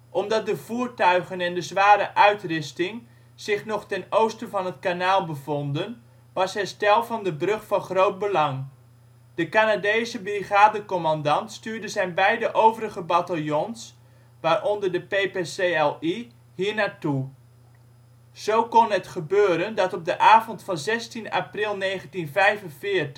Omdat de voertuigen en de zware uitrusting zich nog ten oosten van het kanaal bevonden, was herstel van de brug van groot belang. De Canadese brigadecommandant stuurde zijn beide overige bataljons – waaronder de PPCLI - hier naar toe. Zo kon het gebeuren dat op de avond van 16 april 1945 er